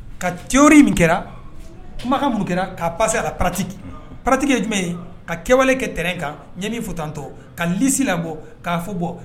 Ka teriri min kɛra kumakan mun kɛra ka pase pati patigi ye jumɛn ye ka kɛwale kɛ tɛnɛn kan ɲani futatantɔ ka lisi labɔ'a fɔ bɔ